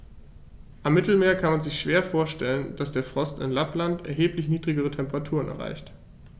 Am Mittelmeer kann man sich schwer vorstellen, dass der Frost in Lappland erheblich niedrigere Temperaturen erreicht.